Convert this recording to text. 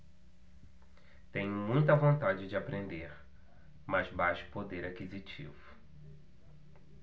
tenho muita vontade de aprender mas baixo poder aquisitivo